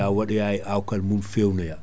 ya waɗoya e awkal mum fewnoya